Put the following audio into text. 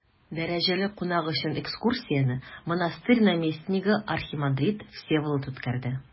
Дәрәҗәле кунак өчен экскурсияне монастырь наместнигы архимандрит Всеволод үткәрде.